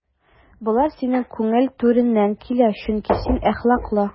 Болар синең күңел түреннән килә, чөнки син әхлаклы.